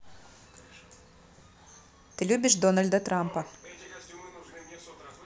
ты любишь дональда трампа